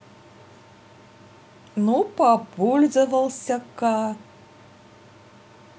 ну попользовался ка